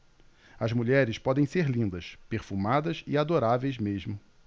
as mulheres podem ser lindas perfumadas e adoráveis mesmo